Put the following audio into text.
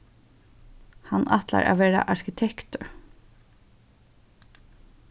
hann ætlar at vera arkitektur